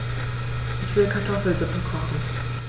Ich will Kartoffelsuppe kochen.